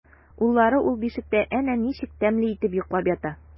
Уллары ул бишектә әнә ничек тәмле итеп йоклап ята!